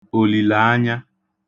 òlìlàanya